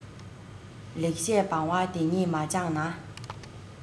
ལེགས བཤད བང བ འདི གཉིས མ སྦྱངས ན